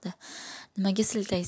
nimaga siltaysiz